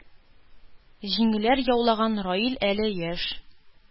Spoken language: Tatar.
Җиңүләр яулаган раил әле яшь,